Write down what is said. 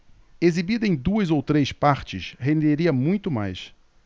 exibida em duas ou três partes renderia muito mais